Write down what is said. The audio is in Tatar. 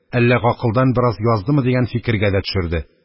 «әллә гакылдан бераз яздымы?» дигән фикергә дә төшерде.